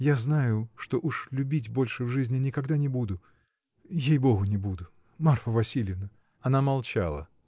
Я знаю, что уж любить больше в жизни никогда не буду. ей-богу, не буду. Марфа Васильевна! Она молчала.